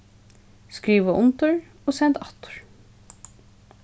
skriva undir og send aftur